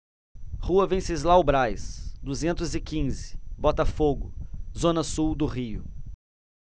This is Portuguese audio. rua venceslau braz duzentos e quinze botafogo zona sul do rio